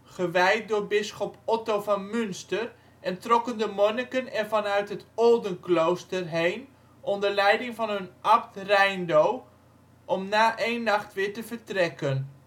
gewijd door bisschop Otto van Münster en trokken de monniken er vanuit het Oldenklooster (Feldwerd) heen onder leiding van hun abt Reindo om na een nacht weer te vertrekken